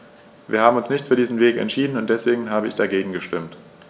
Wir haben uns nicht für diesen Weg entschieden, und deswegen habe ich dagegen gestimmt.